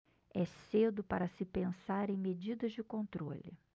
é cedo para se pensar em medidas de controle